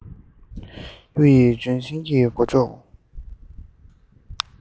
གཡུ ཡི ལྗོན ཤིང གི མགོ ལྕོག